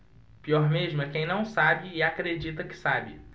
pior mesmo é quem não sabe e acredita que sabe